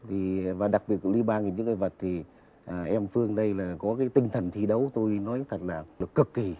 vì và đặc biệt đi ba nghìn chướng ngại vật thì em phương đây là có cái tinh thần thi đấu tôi nói thật là phải cực kỳ